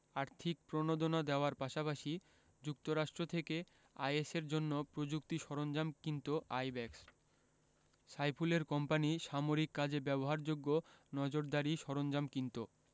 আর্থিক প্রণোদনা দেওয়ার পাশাপাশি যুক্তরাষ্ট্র থেকে আইএসের জন্য প্রযুক্তি সরঞ্জাম কিনত আইব্যাকস সাইফুলের কোম্পানি সামরিক কাজে ব্যবহারযোগ্য নজরদারি সরঞ্জাম কিনত